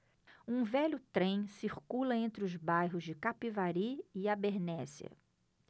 um velho trem circula entre os bairros de capivari e abernéssia